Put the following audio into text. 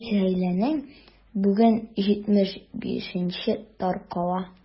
100 гаиләнең бүген 75-е таркала.